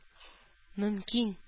Мөмкин